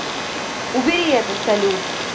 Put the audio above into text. убери это салют